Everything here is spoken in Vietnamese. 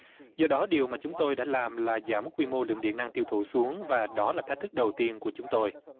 do đó điều mà chúng tôi đã làm là giảm quy mô lượng điện năng tiêu thụ xuống và đó là thách thức đầu tiên của chúng tôi